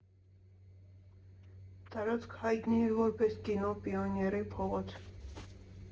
Տարածքը հայտնի էր որպես կինո «Պիոների» փողոց։